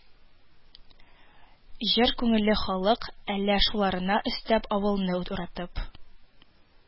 Җор күңелле халык, әллә, шуларына өстәп, авылны уратып